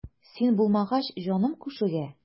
Син булмагач җаным күшегә.